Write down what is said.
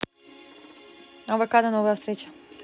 авокадо новая встреча